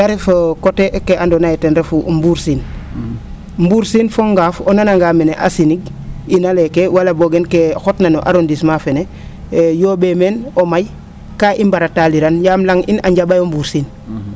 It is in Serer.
ta ref coté ke andoona ye ten refu o mbursiin, mbursiin fo ngaaf o nananga mene a sinig in aleeke wala boogen ke xotna na arrondissement feeke yoo?ee meen o may ka i mbaratalriran yaam la? in a nja?aayo mbursiin